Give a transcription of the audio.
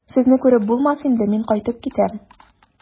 Сезне күреп булмас инде, мин кайтып китәм.